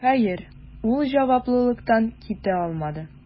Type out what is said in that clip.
Хәер, ул җаваплылыктан китә алмады: